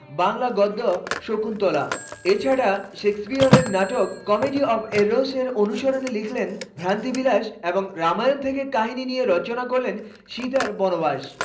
বাংলা গদ্য শকুন্তলা এছাড়া শেক্সপীয়রের নাটক কমেডি অফ এররস এর অনুসরণে লিখলেন ভ্রান্তিবিলাস এবং রামায়ণ থেকে কাহিনী নিয়ে রচনা করলেন সীতার বনবাস